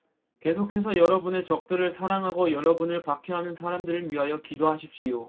계속해서 여러분의 적들을 사랑하고 여러분을 박해하는 사람들을 위하여 기도하십시오